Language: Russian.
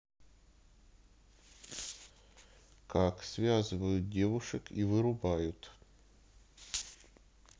как связывают девушек и вырубают